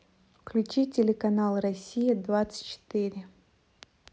включи телеканал россия двадцать четыре